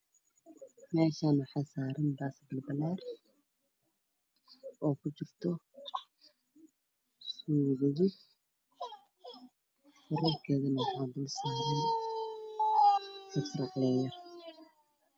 Meshan waxaa yalo basto balbalar oo ku jirto sugo gaduud